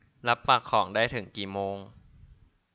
รับฝากของได้ถึงกี่โมง